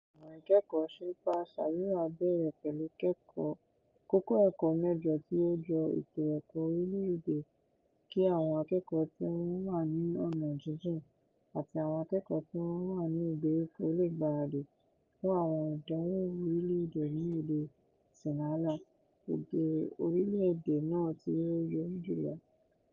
Ọ̀nà ìkẹ́kọ̀ọ́ Shilpa Sayura bẹ̀rẹ̀ pẹ̀lú kókó ẹ̀kọ́ mẹ́jọ tí ó jọ ètò ẹ̀kọ́ orílẹ̀ èdè kí àwọn akẹ́kọ̀ọ́ tí wọ́n wà ní ọ̀nà jíjìn àti àwọn akẹ́kọ̀ọ́ tí wọ́n wà ní ìgbèríko lè gbáradì fún àwọn ìdánwò orílẹ̀ èdè ní èdè Sinhala, èdè orílẹ̀ èdè náà tí ó yọrí jùlọ.